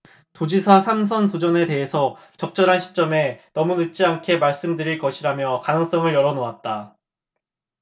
도지사 삼 선 도전에 대해서는 적절한 시점에 너무 늦지 않게 말씀 드릴 것이라며 가능성을 열어놓았다